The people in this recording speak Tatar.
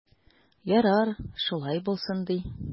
Ярар, шулай да булсын ди.